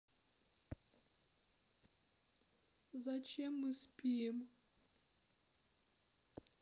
зачем мы спим